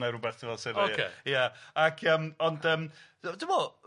Mae rwbeth . Ocê. Ia ac yym ond yym ie dwi me'w'